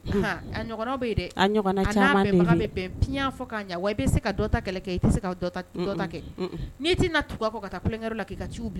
Ha a ,ɲɔgɔnw bɛ yen, a ɲɔgɔn caaman, a na ɲɔgɔn aw bɛ bɛ piyan fɔ k'a ɲɛn, i bɛ se ka dɔ ta kɛlɛ kɛ , i tɛ se ka dɔ ta kɛlɛ kɛ, unhun, n'i tɛ na tugu a kɔ ka taa tulonkɛ yɔrɔ k'i ka ciw bila kɛ